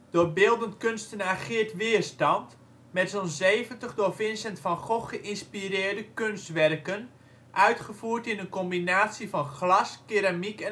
door beeldend kunstenaar Geert Weerstand, met zo 'n zeventig, door Vincent van Gogh geïnspireerde, kunstwerken, uitgevoerd in een combinatie van glas, keramiek